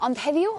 Ond heddiw